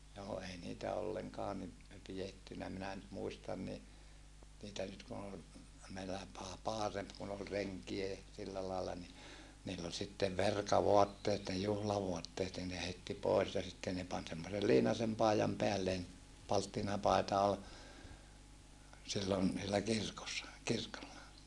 joo ei niitä ollenkaan niin pidetty minä nyt muistan niin niitä nyt kun oli meillä - parempi kun oli renkejä ja sillä lailla niin niillä oli sitten verkavaatteet ne juhlavaatteet niin ne heitti pois ja sitten ne pani semmoisen liinaisen paidan päälleen palttinapaita oli silloin niillä kirkossa kirkolla